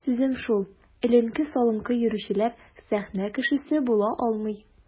Сүзем шул: эленке-салынкы йөрүчеләр сәхнә кешесе була алмый.